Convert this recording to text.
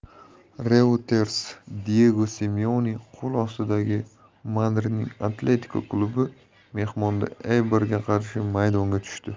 reutersdiyego simeone qo'l ostidagi madridning atletiko klubi mehmonda eybar ga qarshi maydonga tushdi